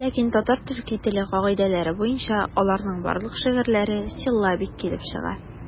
Ләкин татар-төрки теле кагыйдәләре буенча аларның барлык шигырьләре силлабик килеп чыга.